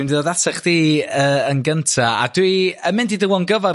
Dwi'n mynd i ddod ata chdi yy yn gynta' a dwi yn mynd i dy longyfarch